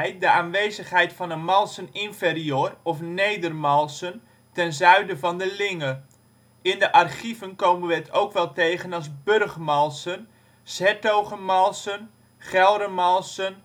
de aanwezigheid van een Malsen Inferior of Nedermalsen (ten zuiden van de Linge). In de archieven komen we het ook wel tegen als Burchmalsen, ' s-Hertogenmalsen, Gelremalsen, Geldermalssum